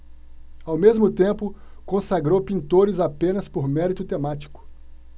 ao mesmo tempo consagrou pintores apenas por mérito temático